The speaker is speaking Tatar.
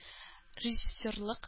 Режиссерлык